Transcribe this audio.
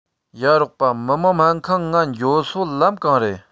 ཡ རོགས པ མི དམངས སྨན ཁང ང འགྱོ སོ ལམ གང རེད